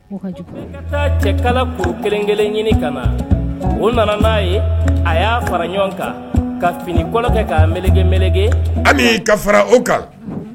Ka cɛ kala ko kelen-kelen ɲini ka na o nana n' ye a y'a fara ɲɔgɔn kan ka fini kɔkɛ ka mge melege an ka fara o kan